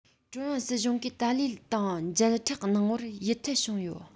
ཀྲུང དབྱང སྲིད གཞུང གིས ཏཱ ལའི དང མཇལ འཕྲད གནང བར ཡིད འཐད བྱུང ཡོད